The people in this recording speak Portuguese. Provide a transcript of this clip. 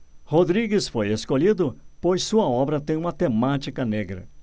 rodrigues foi escolhido pois sua obra tem uma temática negra